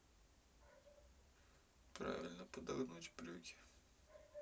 правильно подогнуть брюки